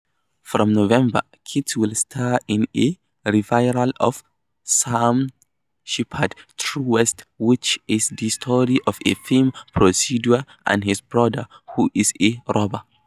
From November Kit will star in a revival of Sam Shepard's True West which is the story of a film producer and his brother, who is a robber.